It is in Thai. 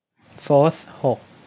โฟธหก